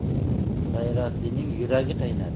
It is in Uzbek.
g'ayratlining yuragi qaynar